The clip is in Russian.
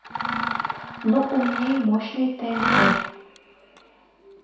ну у меня и мощный тнт